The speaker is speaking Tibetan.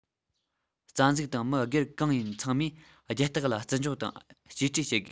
རྩ འཛུགས དང མི སྒེར གང ཡིན ཚང མས རྒྱལ རྟགས ལ བརྩི འཇོག དང གཅེས སྤྲས བྱེད དགོས